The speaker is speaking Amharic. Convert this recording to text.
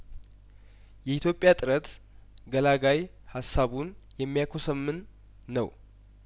የኢትዮጵያ ጥረት ገላጋይ ሀሳቡን የሚያኮሰምን ነው